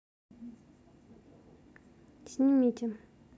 снимите